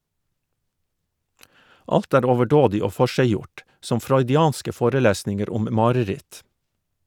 Alt er overdådig og forseggjort, som freudianske forelesninger om mareritt.